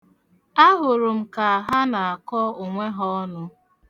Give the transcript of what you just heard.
Ahụrụ m ka ha na-akọ onwe ha ọnụ.